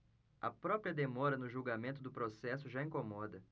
a própria demora no julgamento do processo já incomoda